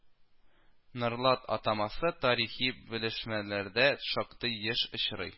Норлат атамасы тарихи белешмәләрдә шактый еш очрый